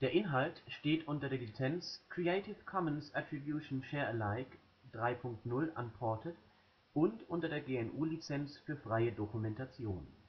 Inhalt steht unter der Lizenz Creative Commons Attribution Share Alike 3 Punkt 0 Unported und unter der GNU Lizenz für freie Dokumentation